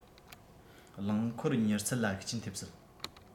རླངས འཁོར མྱུར ཚད ལ ཤུགས རྐྱེན ཐེབས སྲིད